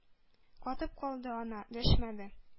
Катып калды ана, дәшмәде,